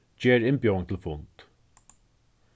ger innbjóðing til fund